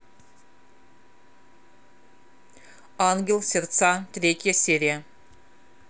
ангел сердца третья серия